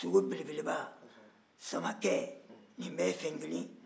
sogo belebeleba samakɛ nin bɛɛ ye fɛn kelen ye